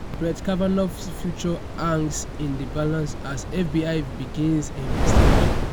Brett Kavanaugh's future hangs in the balance as FBI begins investigation